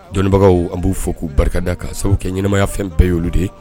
Dɔnniibagaw an b'u fɔ k'u barika da kan sababu kɛ ɲɛnaɛnɛmaya fɛn bɛɛ y'olu de ye